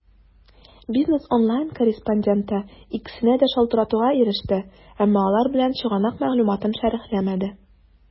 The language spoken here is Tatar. "бизнес online" корреспонденты икесенә дә шалтыратуга иреште, әмма алар безнең чыганак мәгълүматын шәрехләмәде.